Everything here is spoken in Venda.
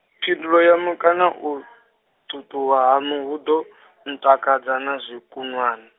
phindulo yaṋu kana u , tutuwa haṋu hu ḓo ntakadza na zwikunwane.